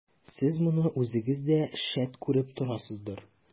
Сез моны үзегез дә, шәт, күреп торасыздыр.